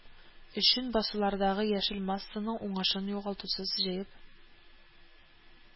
Өчен басулардагы яшел массаның уңышын югалтусыз җыеп